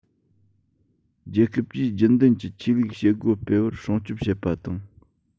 རྒྱལ ཁབ ཀྱིས རྒྱུན ལྡན གྱི ཆོས ལུགས བྱེད སྒོ སྤེལ བར སྲུང སྐྱོབ བྱེད པ དང